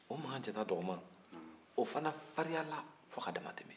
o makanjatadɔgɔman o fana farinyana fo k'a dannatɛmɛ